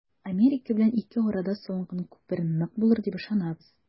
Америка белән ике арада салынган күпер нык булыр дип ышанабыз.